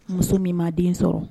Muso min ma den sɔrɔ